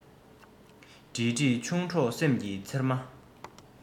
འདྲིས འདྲིས ཆུང གྲོགས སེམས ཀྱི ཚེར མ